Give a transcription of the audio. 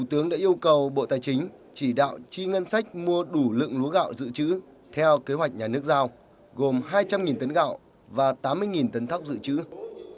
thủ tướng đã yêu cầu bộ tài chính chỉ đạo chi ngân sách mua đủ lượng lúa gạo dự trữ theo kế hoạch nhà nước giao gồm hai trăm nghìn tấn gạo và tám mươi nghìn tấn thóc dự trữ